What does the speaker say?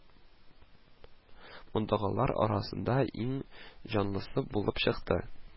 Мондагылар арасында иң җанлысы булып чыкты